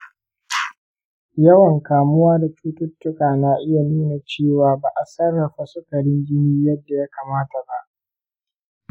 yawan kamuwa da cututtuka na iya nuna cewa ba a sarrafa sukarin jini yadda ya kamata ba.